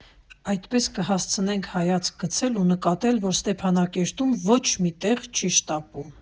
Այդպես կհասցնեք հայացք գցել ու նկատել, որ Ստեփանակերտում ոչ ոք ոչ մի տեղ չի շտապում։